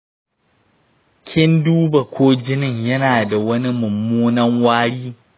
kin duba ko jinin yana da wani mummunan wari?